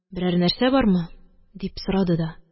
Берәр нәрсә бармы? – дип сорады да